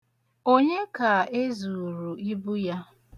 Onye ka ezuuru ibu ya?